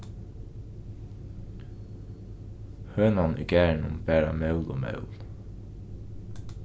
hønan í garðinum bara mól og mól